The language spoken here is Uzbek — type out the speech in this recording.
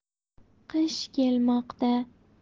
qish kelmoqda